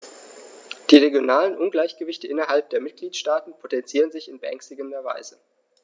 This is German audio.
Die regionalen Ungleichgewichte innerhalb der Mitgliedstaaten potenzieren sich in beängstigender Weise.